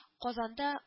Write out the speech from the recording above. Казанда